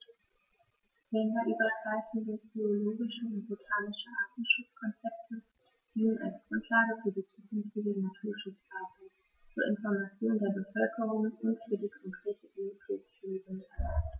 Länderübergreifende zoologische und botanische Artenschutzkonzepte dienen als Grundlage für die zukünftige Naturschutzarbeit, zur Information der Bevölkerung und für die konkrete Biotoppflege.